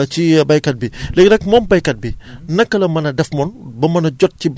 matières organiques yi dafa mel ni moo ëpp solo ci baykat bi léegi nag moom baykat bi